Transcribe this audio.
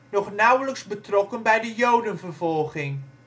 nog nauwelijks betrokken bij de Jodenvervolging